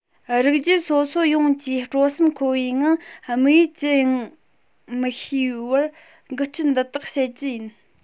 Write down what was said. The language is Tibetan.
རིགས རྒྱུད སོ སོ ཡོངས ཀྱིས སྤྲོ སེམས འཁོལ བའི ངང དམིགས ཡུལ ཅི ཡིན མི ཤེས པར འགུལ སྐྱོད འདི དག བྱེད ཀྱི འདུག